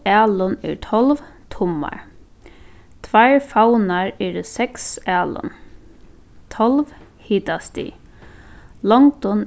alin er tólv tummar tveir favnar eru seks alin tólv hitastig longdin